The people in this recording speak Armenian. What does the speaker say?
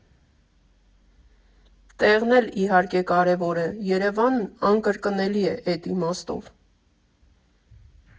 Տեղն էլ, իհարկե, կարևոր է, Երևանն անկրկնելի է էդ իմաստով։